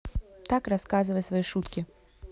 так рассказывай свои шутки